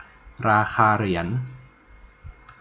ราคาเหรียญ